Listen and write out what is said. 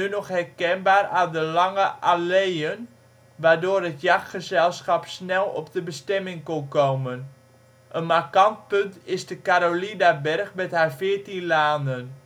nog herkenbaar aan de lange alleeën, waardoor het jachtgezelschap snel op de bestemming kon komen. Een markant punt is de Carolinaberg met haar 14 lanen